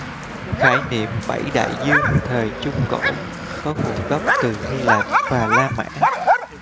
khải niệm bảy đại dương thời trung cổ có nguồn gốc từ hy lạp và la mã